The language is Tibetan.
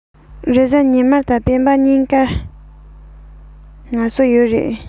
རེས གཟའ ཉི མ དང སྤེན པ གཉིས ཀར ངལ གསོ ཡོད རེད